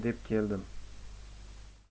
olay deb keldim